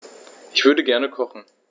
Ich würde gerne kochen.